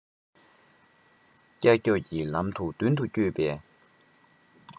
འཐབ འཛིང གི སྤོབས པ དང སྙིང སྟོབས ཀྱང སྟེར གྱིན གདའ